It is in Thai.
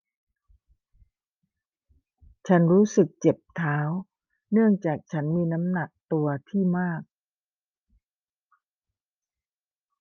ฉันรู้สึกเจ็บเท้าเนื่องจากฉันมีน้ำหนักตัวที่มาก